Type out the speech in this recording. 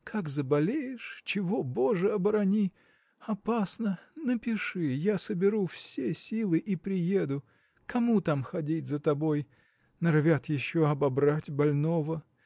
– Как заболеешь – чего боже оборони! – опасно, напиши. я соберу все силы и приеду. Кому там ходить за тобой? Норовят еще обобрать больного.